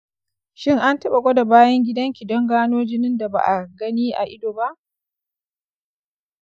shin an taɓa gwada bayan gidanki don gano jinin da ba a gani a ido ba?